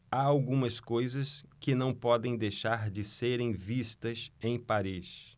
há algumas coisas que não podem deixar de serem vistas em paris